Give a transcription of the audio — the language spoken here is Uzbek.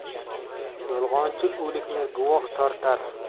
yolg'onchi o'likni guvoh tortar